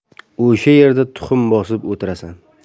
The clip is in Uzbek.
o'sha yerda tuxum bosib o'tirasan